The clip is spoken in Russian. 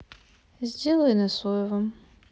сделай на соевом